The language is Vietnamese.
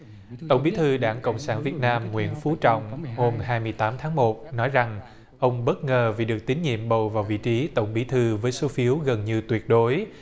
tổng bí thư đảng cộng sản việt nam nguyễn phú trọng hôm hai mươi tám tháng một nói rằng ông bất ngờ vì được tín nhiệm bầu vào vị trí tổng bí thư với số phiếu gần như tuyệt đối